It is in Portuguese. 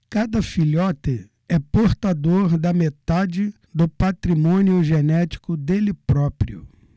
cada filhote é portador da metade do patrimônio genético dele próprio